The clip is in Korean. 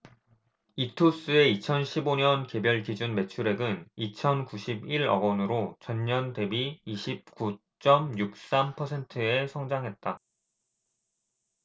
이투스의 이천 십 오 년 개별기준 매출액은 이천 구십 일 억원으로 전년 대비 이십 구 쩜 육 삼 퍼센트의 성장했다